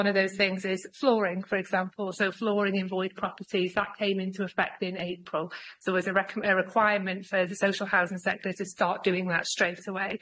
One of those things is flooring for example, so flooring in void properties that came into effect in April so there's a rec- a requirement for the social housing sector to start doing that straight away.